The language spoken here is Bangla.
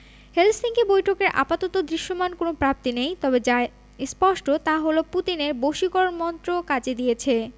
হেলসিঙ্কি বৈঠকের আপাতত দৃশ্যমান কোনো প্রাপ্তি নেই তবে যা স্পষ্ট তা হলো পুতিনের বশীকরণ মন্ত্র কাজ দিয়েছে